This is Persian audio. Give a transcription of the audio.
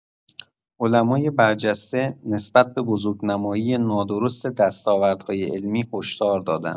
علمای برجسته نسبت به بزرگنمایی نادرست دستاوردهای علمی هشدار دادند.